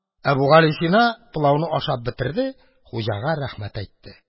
Әбүгалисина пылауны ашап бетерде, хуҗага рәхмәт әйтте.